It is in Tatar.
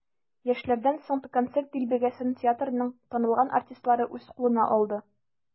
Яшьләрдән соң концерт дилбегәсен театрның танылган артистлары үз кулына алды.